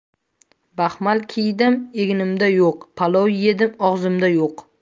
baxmal kiydim egnimda yo'q palov yedim og'zimda yo'q